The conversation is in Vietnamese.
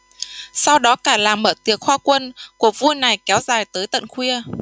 sau đó cả làng mở tiệc khoa quân cuộc vui này kéo dài tới tận khuya